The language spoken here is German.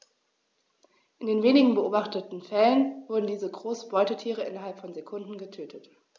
In den wenigen beobachteten Fällen wurden diese großen Beutetiere innerhalb von Sekunden getötet.